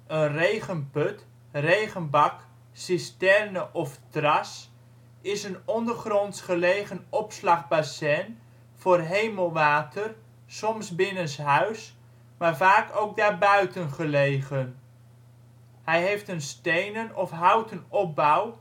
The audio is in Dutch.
regenput, regenbak, cisterne of tras is een ondergronds gelegen opslagbassin voor hemelwater, soms binnenshuis, maar vaak ook daarbuiten gelegen. Hij heeft een stenen of houten opbouw